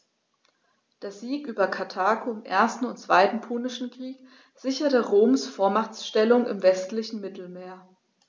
Der Sieg über Karthago im 1. und 2. Punischen Krieg sicherte Roms Vormachtstellung im westlichen Mittelmeer.